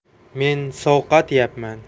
men sovqotyapman